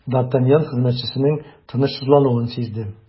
Д’Артаньян хезмәтчесенең тынычсызлануын сизде.